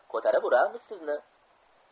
ko'tarib uramiz sizni